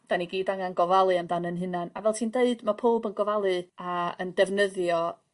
'dan ni gyd angan gofalu amdan 'yn hunan a fel ti'n deud ma' powb yn gofalu a yn defnyddio